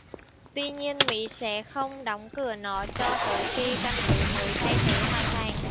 tuy nhiên mỹ sẽ không đóng cửa nó cho tới khi căn cứ mới thay thế hoàn thành